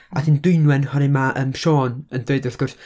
A wedyn Dwynwen, oherwydd ma', yym, Siôn yn dweud, wrth gwrs...